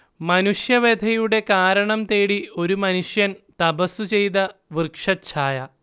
മനുഷ്യവ്യഥയുടെ കാരണംതേടി ഒരു മനുഷ്യൻ തപസ്സുചെയ്ത വൃക്ഷഛായ